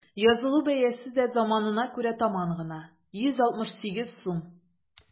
Язылу бәясе дә заманына күрә таман гына: 168 сум.